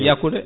yakude